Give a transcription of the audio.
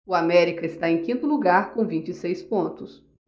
o américa está em quinto lugar com vinte e seis pontos